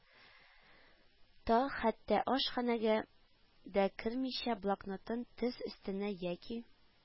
Та, хәтта ашханәгә дә кермичә, блокнотын тез өстенә яки